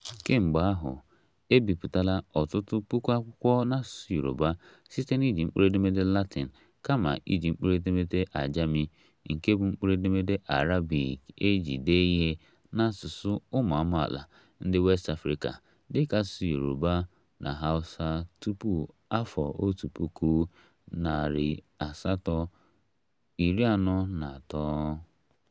Kemgbe ahụ, e bipụtala ọtụtụ puku akwụkwọ n'asụsụ Yorùbá site na iji mkpụrụedemede Latin kama iji mkpụrụedemede Ajami, nke bụ mkpụrụ edemede Arabic e ji dee ihe n'asụsụ ụmụ amaala ndị West Africa dịka asụsụ Yoruba na Hausa tupu afọ 1843.